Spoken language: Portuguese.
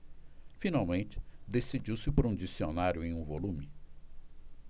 finalmente decidiu-se por um dicionário em um volume